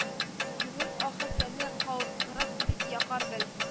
Күңел аһы сәне кау кырык тик якар бел